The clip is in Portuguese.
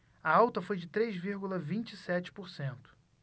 a alta foi de três vírgula vinte e sete por cento